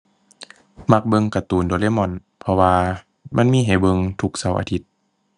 มักเบิ่งการ์ตูน Doraemon เพราะว่ามันมีให้เบิ่งทุกเสาร์อาทิตย์